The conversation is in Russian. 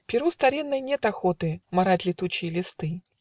Перу старинной нет охоты Марать летучие листы